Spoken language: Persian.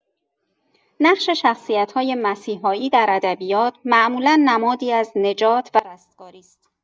نقش شخصیت‌های مسیحایی در ادبیات، معمولا نمادی از نجات و رستگاری است.